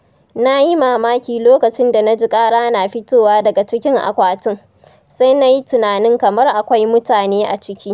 Na yi mamaki lokacin da na ji ƙara na fitowa daga cikin akwatin, sai na yi tunanin kamar akwai mutane a ciki.